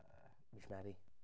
Yym mis Medi.